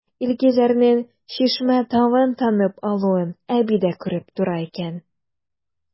Илгизәрнең Чишмә тавын танып алуын әби дә күреп тора икән.